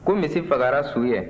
ko misi fagara su ye